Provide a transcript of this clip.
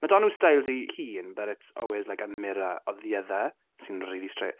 Mae 'da nhw styles ei hun, but it's always like a mirror of the other sy'n rili stra-.